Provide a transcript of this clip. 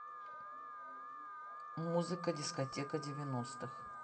музыка дискотека девяностых